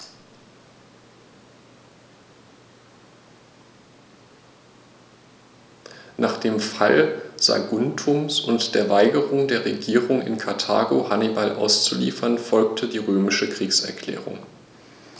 Nach dem Fall Saguntums und der Weigerung der Regierung in Karthago, Hannibal auszuliefern, folgte die römische Kriegserklärung.